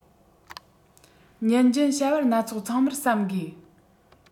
ཉིན རྒྱུན བྱ བ སྣ ཚོགས ཚང མར བསམ དགོས